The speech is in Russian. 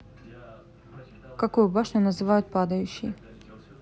какую башню называют падающей